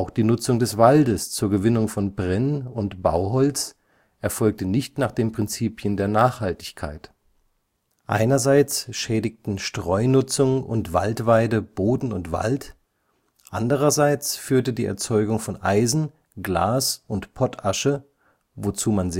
die Nutzung des Waldes zur Gewinnung von Brenn - und Bauholz erfolgte nicht nach den Prinzipien der Nachhaltigkeit. Einerseits schädigten Streunutzung (Laub als Einstreu für das Vieh) und Waldweide Boden und Wald, andererseits führte die Erzeugung von Eisen, Glas und Pottasche, wozu man